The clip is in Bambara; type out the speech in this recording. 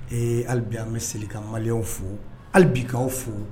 Ee halibi an bɛ segin ka malien fo halibi k'aw fo